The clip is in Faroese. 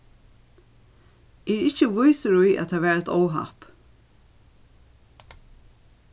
eg eri ikki vísur í at tað var eitt óhapp